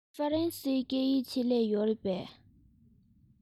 ཧྥ རན སིའི སྐད ཡིག ཆེད ལས ཡོད རེད པས